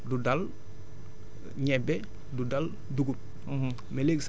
mais du dal ñebe du dal dugub